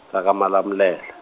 ra ka Malamulele.